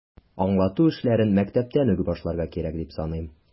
Аңлату эшләрен мәктәптән үк башларга кирәк, дип саныйм.